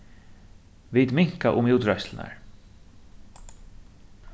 vit minka um útreiðslurnar